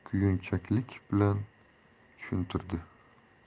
kuyunchaklik bilan tushuntirdi